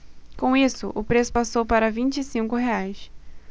com isso o preço passou para vinte e cinco reais